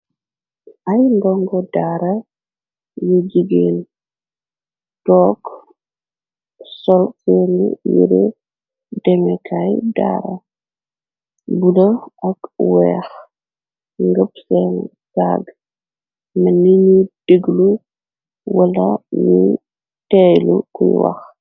Ay ndongo daara yu jigéen took sol fer ni yire demekaay daara buna ak weex ngëb seen fagg me niñu diglu wala ñuy teylu kuy wax.